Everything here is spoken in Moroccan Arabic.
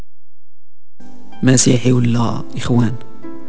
مسيحي ولا اخوان